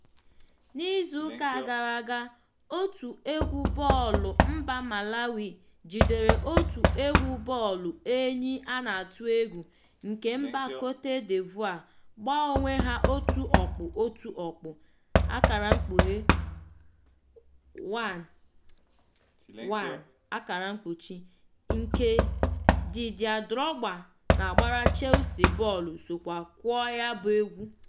N'izuụka a gara aga, otu egwu bọọlụ mba Malawi jidere otu egwu bọọlụ Enyi a na-atụ egwu nke mba Côte D'Ivoire gba onwé ha otu ọkpụ otu ọkpụ(1:1) nke Didier Drogba na-agbara Chelsea bọọlụ sokwa kụọ ya bụ egwu.